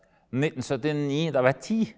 1979 da var jeg ti.